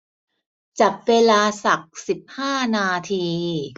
จับเวลาสักสิบห้านาที